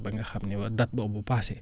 ba nga xam ne wa date boobu passée